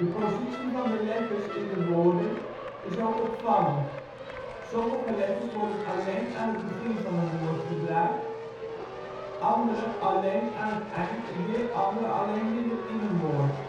positie van de letters in de woorden is ook opvallend. Sommige letters worden alleen aan het begin van een woord gebruikt, andere alleen aan het eind en weer andere alleen middenin een woord